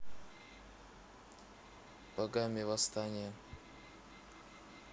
богами восстание